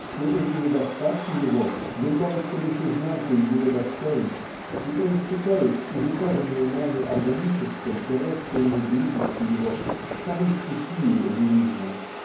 что все эти недостатки его являются лишь изнанкой его достоинств и проистекают из указанной нами органической и родственной близости его к самой стихии лиризма.